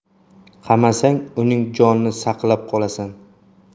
qamasang uning jonini saqlab qolasan